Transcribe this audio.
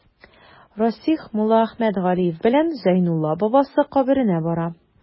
Расих Муллаәхмәт Галиев белән Зәйнулла бабасы каберенә бара.